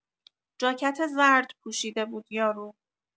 جاکت زرد پوشیده بود یارو